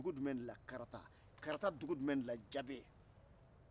dugu jumɛn de la karata karata dugu jumɛn de la jabe